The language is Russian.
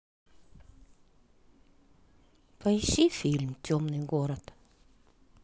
поищи фильм темный город